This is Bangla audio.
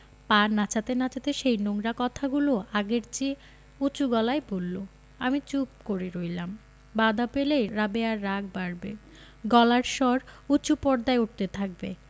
পা নাচাতে নাচাতে সেই নোংরা কথাগুলো আগের চেয়েও উচু গলায় বললো আমি চুপ করে রইলাম বাধা পেলেই রাবেয়ার রাগ বাড়বে গলার স্বর উচু পর্দায় উঠতে থাকবে